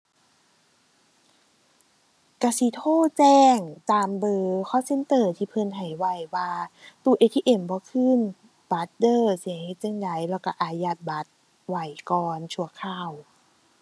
ก็สิโทรแจ้งตามเบอร์ call center ที่เพิ่นให้ไว้ ว่าตู้ ATM บ่คืนบัตรเด้อ สิให้เฮ็ดจั่งใดแล้วก็อายัดบัตรไว้ก่อนชั่วคราว